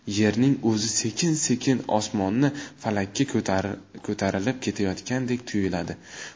yerning o'zi sekin sekin osmoni falakka ko'tarilib ketayotganday tuyuladi